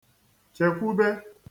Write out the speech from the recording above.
-chèkwube